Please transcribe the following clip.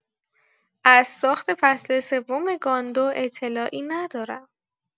از ساخت فصل سوم گاندو اطلاعی ندارم.